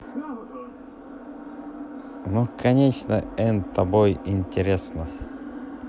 ну конечно the тобой интересно